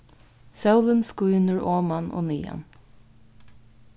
sólin skínur oman og niðan